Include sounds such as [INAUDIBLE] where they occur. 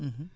[HESITATION] [HESITATION]